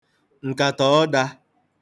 ǹkàtà ọdā